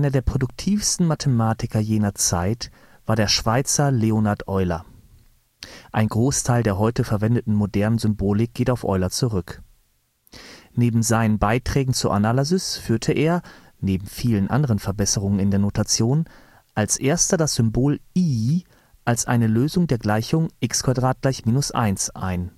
der produktivsten Mathematiker jener Zeit war der Schweizer Leonhard Euler. Ein Großteil der heute verwendeten „ modernen “Symbolik geht auf Euler zurück. Neben seinen Beiträgen zur Analysis führte er, neben vielen anderen Verbesserungen in der Notation, als erster das Symbol i als eine Lösung der Gleichung x2 = −1 ein